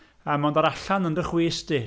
A mae'n dod allan yn dy chwys di.